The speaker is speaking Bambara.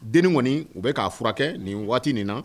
Den kɔni u bɛ k'a furakɛ kɛ nin waati min na